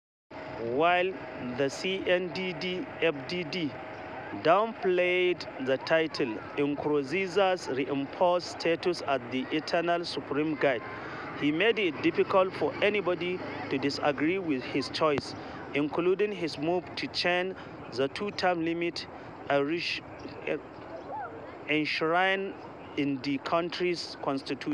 While the CNDD-FDD downplayed the title, Nkurunziza’s reinforced status as the "eternal supreme guide" has made it difficult for anyone to disagree with his choices, including his move to change the two-term limit enshrined in the country’s constitution.